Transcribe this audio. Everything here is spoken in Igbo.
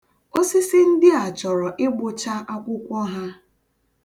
Osisi ndị a chọrọ ịgbụcha akwụkwọ ha.